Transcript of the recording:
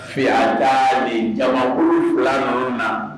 Fiba ni jamaurufila ninnu na